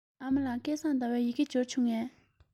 ཨ མ ལགས སྐལ བཟང ཟླ བའི ཡི གེ འབྱོར བྱུང ངམ